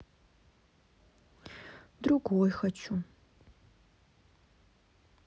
другой хочу